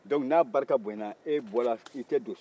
dɔnc n'a barika bonyana e bɔra e tɛ don